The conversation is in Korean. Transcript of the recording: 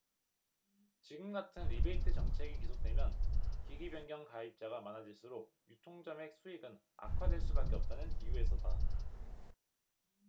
지금같은 리베이트 정책이 계속되면 기기변경 가입자가 많아질수록 유통점의 수익은 악화될 수밖에 없다는 이유에서다